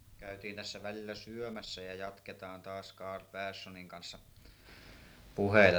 käytiin tässä välillä syömässä ja jatketaan taas Karl Perssonin kanssa puheita